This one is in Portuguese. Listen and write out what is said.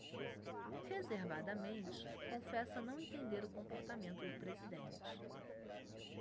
reservadamente confessa não entender o comportamento do presidente